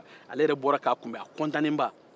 ale yɛrɛ bɔra k'a kunbɛn a kɔntannenba